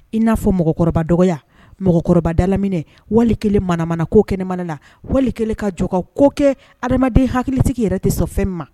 In n'a fɔ mɔgɔkɔrɔba dɔgɔya mɔgɔda lam wali mana mana ko kɛnɛmana na wali ka jɔka ko kɛ ha adamaden hakilitigi yɛrɛ tɛ sɔfɛn ma